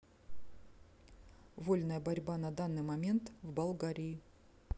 вольная борьба на данный момент в болгарии